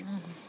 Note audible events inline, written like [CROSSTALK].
[HESITATION] [HESITATION]